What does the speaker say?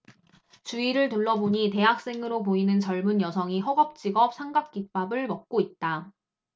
주위를 둘러보니 대학생으로 보이는 젊은 여성이 허겁지겁 삼각김밥을 먹고 있다